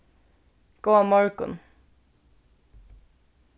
góðan morgun